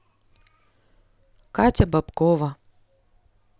катя бобкова